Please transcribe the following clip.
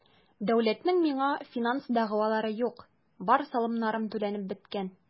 Дәүләтнең миңа финанс дәгъвалары юк, бар салымнарым түләнеп беткән.